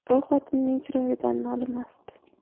u xotinining chiroyidan nolimasdi